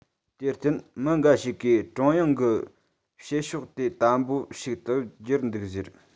དེར བརྟེན མི འགའ ཞིག གིས ཀྲུང དབྱང གི བྱེད ཕྱོགས དེ དམ པོ ཞིག ཏུ བསྒྱུར འདུག ཟེར